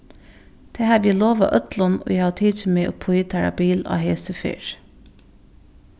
tað havi eg lovað øllum ið hava tikið meg upp í teirra bil á hesi ferð